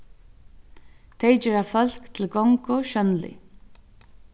tey gera fólk til gongu sjónlig